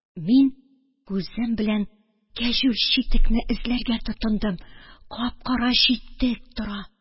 Мин күзем белән кәҗүл читекне эзләргә тотындым: кап-кара читек тора.